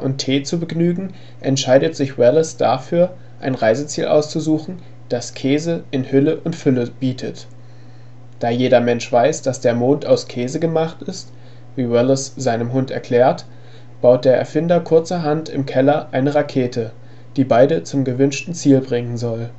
Tee zu begnügen, entscheidet sich Wallace dafür, ein Reiseziel auszusuchen, das Käse in Hülle und Fülle bietet. Da jeder Mensch weiß, dass der Mond aus Käse gemacht ist, wie Wallace seinem Hund erklärt, baut der Erfinder kurzerhand im Keller eine Rakete, die beide zum gewünschten Ziel bringen soll